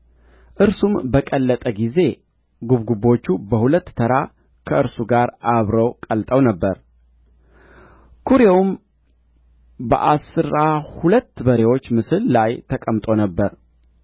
እርሱም በቀለጠ ጊዜ ጉብጉቦቹ በሁለት ተራ ከእርሱ ጋር አብረው ቀልጠው ነበር ኵሬውም በአሥራ ሁለት በሬዎች ምስል ላይ ተቀምጦ ነበር